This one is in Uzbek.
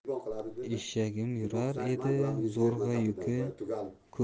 eshagim yurar edi zo'rg'a